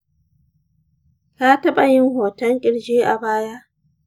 ka taɓa yin hoton ƙirji a baya?